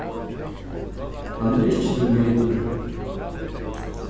hann eri ikki tín vinur